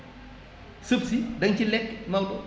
sëb si dañ ci lekk Maodo